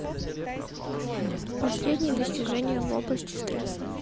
последние достижения в области стресса